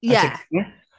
Ie.